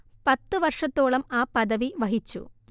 പത്തു വർഷത്തോളം ആ പദവി വഹിച്ചു